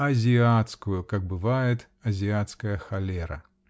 азиатскую, как бывает азиатская холера.